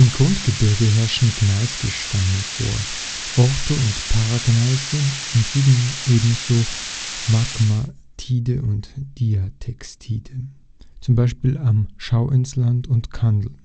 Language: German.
Grundgebirge herrschen Gneis-Gesteine vor (Ortho - und Paragneise, im Süden ebenso Migmatite und Diatexite, z. B. am Schauinsland und Kandel